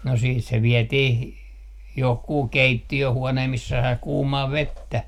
no sitten se vietiin johonkin keittiöhuoneeseen missä sai kuumaa vettä